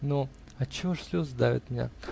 но отчего ж слезы давят меня?.